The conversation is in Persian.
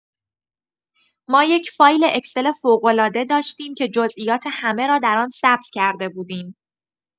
ما یک فایل اکسل فوق‌العاده داشتیم که جزئیات همه را در آن ثبت کرده بودیم.